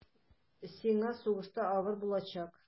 Сиңа сугышта авыр булачак.